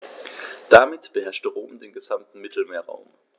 Damit beherrschte Rom den gesamten Mittelmeerraum.